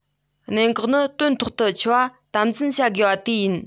གནད འགག ནི དོན ཐོག ཏུ འཁྱོལ བ དམ འཛིན བྱ དགོས པ དེ ཡིན